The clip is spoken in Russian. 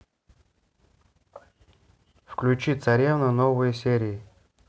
включи царевна новые серии